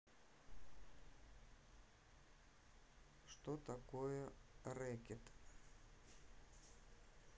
что такое рэкет